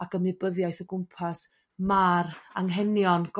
ac ymwybyddiaeth o gwmpas ma'r anghenion